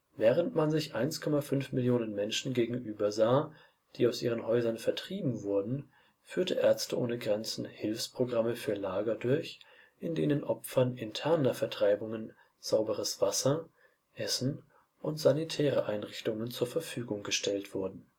Während man sich 1,5 Millionen Menschen gegenübersah, die aus ihren Häusern vertrieben wurden, führte Ärzte ohne Grenzen Hilfsprogramme für Lager durch, in denen Opfern interner Vertreibungen sauberes Wasser, Essen und sanitäre Einrichtungen zur Verfügung gestellt wurden